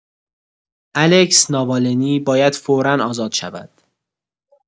الکسی ناوالنی باید فورا آزاد شود.